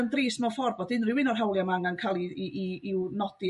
o'n drist mewn ffor' bod unrhyw un o'r hawlia 'ma angan ca'l i i'w nodi